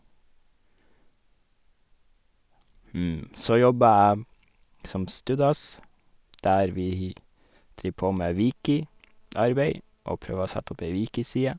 Hm, så jobber jeg som stud-ass, der vi driver på med wikiarbeid og prøver å sette opp ei wiki-side.